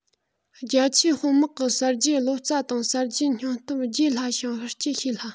རྒྱ ཆེའི དཔོན དམག གི གསར བརྗེའི བློ རྩ དང གསར བརྗེའི སྙིང སྟོབས རྒྱས སླ ཞིང ཧུར སྐྱེད བྱེད སླ